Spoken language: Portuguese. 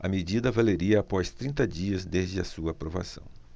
a medida valeria após trinta dias desde a sua aprovação